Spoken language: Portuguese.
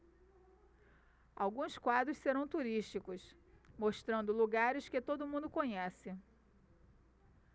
alguns quadros serão turísticos mostrando lugares que todo mundo conhece